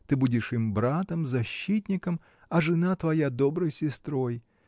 Ты будешь им братом, защитником, а жена твоя доброй сестрой.